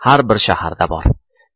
har bir shaharda bor